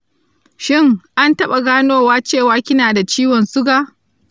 shin, an taɓa ganowa cewa kina da ciwon suga?